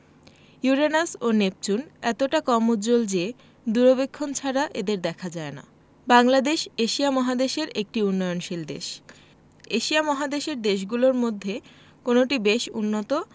Uranus ও Neptune এতটা কম উজ্জ্বল যে দূরবীক্ষণ ছাড়া এদের দেখা যায় না বাংলাদেশ এশিয়া মহাদেশের একটি উন্নয়নশীল দেশ এশিয়া মহাদেশের দেশগুলোর মধ্যে কোনটি বেশ উন্নত